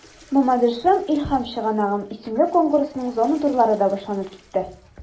“мамадышым–илһам чыганагым” исемле конкурсның зона турлары да башланып китте.